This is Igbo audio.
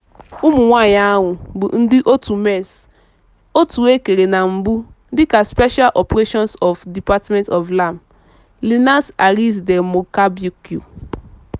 Ụmụnwaanyị ahụ bụ ndị òtù MEX, òtù e kere na mbụ dịka Special Operations Department of LAM — Linhas Aéreas de Moçambique.